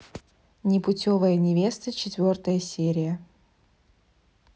непутевая невеста четвертая серия